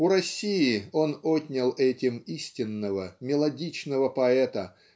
У России он отнял этим истинного мелодичного поэта